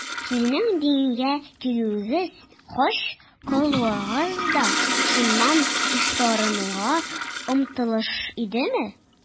Сезнең дингә килүегез, хаҗ кылуыгыз да шуннан чистарынуга омтылыш идеме?